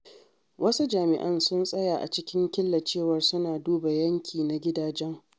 Wasu jami’an sun tsaya a cikin killecewar suna duba yanki na gidajen.